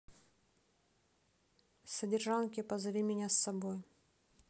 содержанки позови меня с собой